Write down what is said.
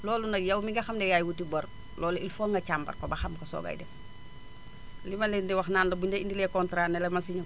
loolu nag yow mi nga xam ne yaay wuti bor loolu il faut nga càmbar ko ba xam ko soogay def ko li ma leen di wax naan la buñu la indilee contrat ne la demal signé